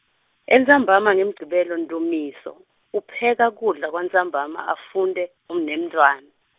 entsambama ngeMgcibelo Ndumiso upheka kudla kwantsambama afunte nemntfwana.